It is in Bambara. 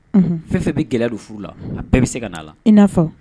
Fɛn fɛ bɛ gɛlɛya don furu la a bɛɛ bɛ se ka'a la i na